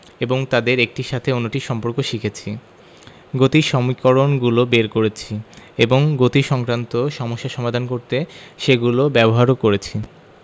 এবং তাদের একটির সাথে অন্যটির সম্পর্ক শিখেছি গতির সমীকরণগুলো বের করেছি এবং গতিসংক্রান্ত সমস্যা সমাধান করতে সেগুলো ব্যবহারও করেছি